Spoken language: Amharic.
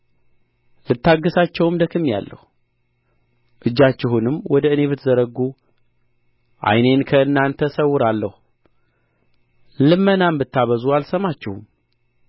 ልታገሣቸውም ደክሜያለሁ እጃችሁንም ወደ እኔ ብትዘረጉ ዓይኔን ከእናንተ እሰውራለሁ ልመናንም ብታበዙ አልሰማችሁም